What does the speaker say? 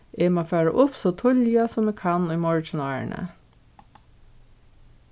eg má fara upp so tíðliga sum eg kann í morgin árini